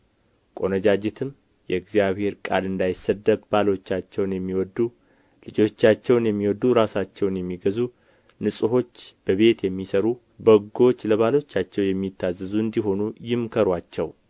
ቆነጃጅትም የእግዚአብሔር ቃል እንዳይሰደብ ባሎቻቸውን የሚወዱ ልጆቻቸውን የሚወዱ ራሳቸውን የሚገዙ ንጹሖች በቤት የሚሠሩ በጎዎች ለባሎቻቸው የሚታዘዙ እንዲሆኑ ይምከሩአቸው